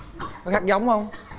có khắc giống không